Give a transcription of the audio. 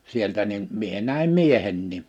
sieltä niin minä näin miehenkin